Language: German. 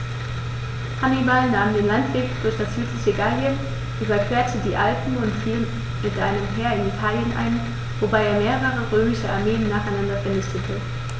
Hannibal nahm den Landweg durch das südliche Gallien, überquerte die Alpen und fiel mit einem Heer in Italien ein, wobei er mehrere römische Armeen nacheinander vernichtete.